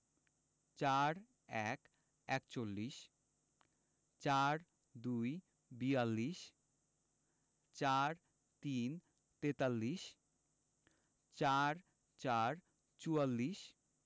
৪১ - একচল্লিশ ৪২ - বিয়াল্লিশ ৪৩ - তেতাল্লিশ ৪৪ – চুয়াল্লিশ